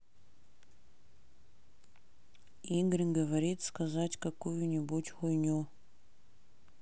игорь говорит сказать какую нибудь хуйню